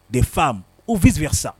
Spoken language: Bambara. Des femmes ou vice- versa